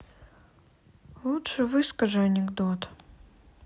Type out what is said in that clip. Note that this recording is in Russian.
лучше выскажи анекдот